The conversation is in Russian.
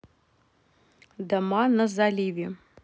дома на заливе